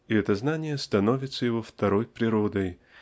и это знание становится его второй природой